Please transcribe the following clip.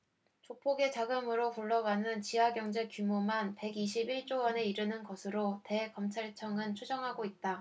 조폭의 자금으로 굴러가는 지하경제 규모만 백 이십 일 조원에 이르는 것으로 대검찰청은 추정하고 있다